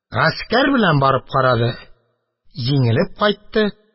Гаскәр белән барып карады, җиңелеп кайтты.